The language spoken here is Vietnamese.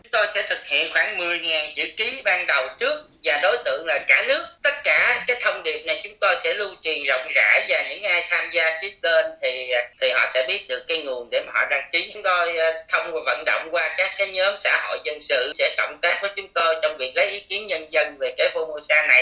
tôi sẽ thực hiện khoảng mười ngàn chữ ký ban đầu trước và đối tượng là cả nước tất cả các thông điệp này chúng tôi sẽ lưu truyền rộng rãi và những ai tham gia ký tên thì thì họ sẽ biết được cái nguồn để mà họ đăng ký chúng tôi không vận động qua các các nhóm xã hội dân sự sẽ cộng tác với chúng tôi trong việc lấy ý kiến nhân dân về cái fumosa này